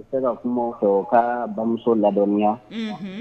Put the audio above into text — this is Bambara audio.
U bɛ se ka kuma u fɛ u ka bamuso ladɔnniya, unhun